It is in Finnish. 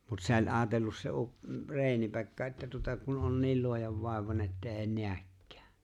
mutta se oli ajatellut se - Reini Pekka että tuota kun on niin luojanvaivainen että ei näekään